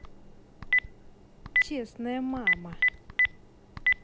честная мама